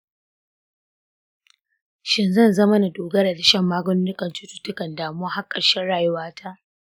shin zai zama na dogara da shan maganin cututtukan damuwa har ƙarshen rayuwata?